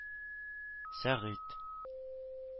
Сәгыйть